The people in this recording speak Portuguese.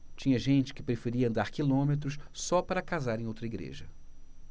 tinha gente que preferia andar quilômetros só para casar em outra igreja